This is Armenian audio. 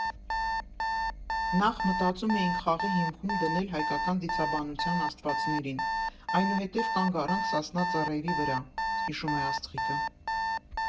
Նախ՝ մտածում էինք խաղի հիմքում դնել հայկական դիցաբանության աստվածներին, այնուհետև կանգ առանք «Սասնա Ծռերի» վրա», ֊հիշում է Աստղիկը։